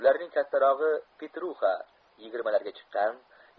ulaming kattarogi petruxa yigirmalarga chiqqan